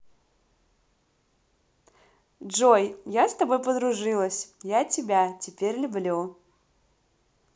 джой я с тобой подружилась я тебя теперь люблю